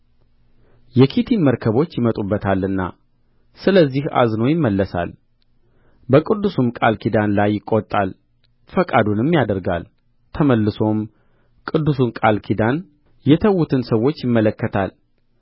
የኪቲም መርከቦች ይመጡበታልና ስለዚህ አዝኖ ይመለሳል በቅዱሱም ቃል ኪዳን ላይ ይቈጣል ፈቃዱንም ያደርጋል ተመልሶም ቅዱሱን ቃል ኪዳን የተዉትን ሰዎች ይመለከታል